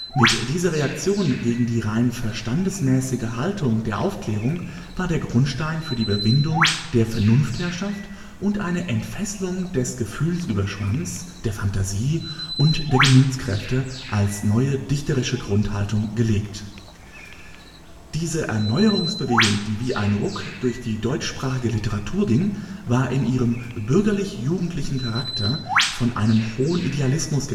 Mit dieser Reaktion gegen die rein verstandesmäßige Haltung der Aufklärung war der Grundstein für die Überwindung der Vernunftherrschaft und eine Entfesslung des Gefühlsüberschwangs, der Fantasie und der Gemütskräfte als neue dichterische Grundhaltung gelegt. Diese Erneuerungsbewegung, die wie ein Ruck durch die deutschsprachige Literatur ging, war in ihrem bürgerlich-jugendlichen Charakter von einem hohen Idealismus